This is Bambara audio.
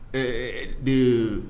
Ɛɛ den